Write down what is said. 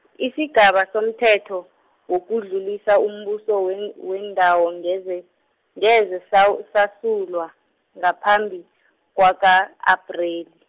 isigaba somthetho, wokudlulisa umbuso wen- wendawo ngeze, ngeze saw- sasulwa, ngaphambi, kwaka, Apreli.